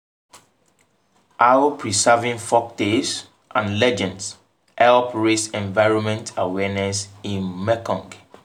How preserving folktales and legends help raise environment awareness in the Mekong